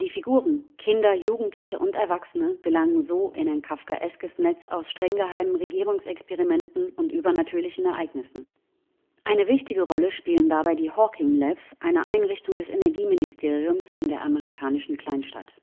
Figuren (Kinder, Jugendliche und Erwachsene) gelangen so in ein kafkaeskes Netz aus streng geheimen Regierungsexperimenten und übernatürlichen Ereignissen. Eine wichtige Rolle spielen dabei die " Hawkin Labs ", eine Einrichtung des Energieministeriums in der amerikanischen Kleinstadt